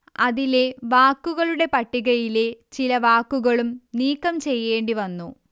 അതിലെ വാക്കുകളുടെ പട്ടികയിലെ ചില വാക്കുകളും നീക്കം ചെയ്യേണ്ടി വന്നു